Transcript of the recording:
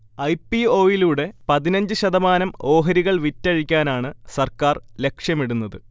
I. P. O. യിലൂടെ പതിനഞ്ച് ശതമാനം ഓഹരികൾ വിറ്റഴിക്കാനാണ് സർക്കാർ ലക്ഷ്യമിടുന്നത്